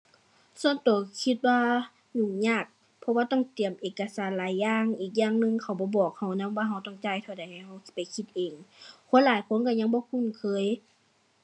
ส่วนตัวคิดว่ายุ่งยาก เพราะว่าต้องเตรียมเอกสารหลายอย่างอีกอย่างหนึ่งเขาบ่บอกตัวนำว่าตัวต้องจ่ายเท่าใดตัวสิไปคิดเอง คนหลายคนตัวยังบ่คุ้นเคย